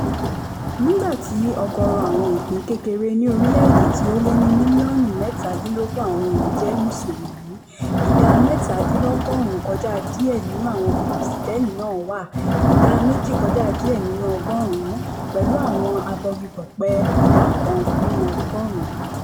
Nígbà tí ọ̀gọ̀ọ̀rọ̀ àwọn ìpín-kékeré ní orílẹ̀ èdè tí ó lé ní 17 mílíọ̀nù àwọn èèyàn jẹ́ Mùsùlùmí ( ìdá 97.2 nínú ọgọ́rùn-ún), àwọn Kìrìsìtẹ́nì náà wà (ìdá 2.7 nínú ọgọ́rùn-ún) pẹ̀lú àwọn abọgibọ̀pẹ̀ ( ìdá 1 nínú ọgọ́rùn-ún).